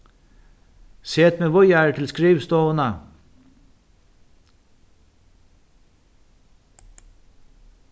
set meg víðari til skrivstovuna